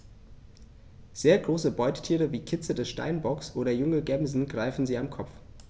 Sehr große Beutetiere wie Kitze des Steinbocks oder junge Gämsen greifen sie am Kopf.